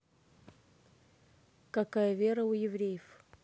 какая вера у евреев